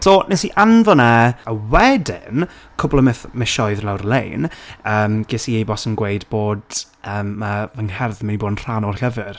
So wnes i anfon e a wedyn, cwbl o mith- misoedd lawr y lein yym ges i e-bost yn gweud bod yym yy fy ngherdd yn mynd i bod yn rhan o'r llyfr.